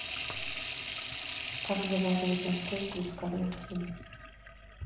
как заваривать настойку из коры осины